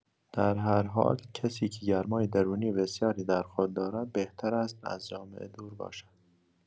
در هر حال، کسی که گرمای درونی بسیاری در خود دارد، بهتر است از جامعه دور باشد.